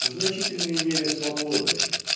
в значительной мере свободны.